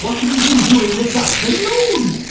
What have you been doing this afternoon?